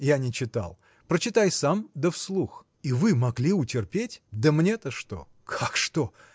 – Я не читал; прочитай сам, да вслух. – И вы могли утерпеть? – Да мне-то что? – Как что!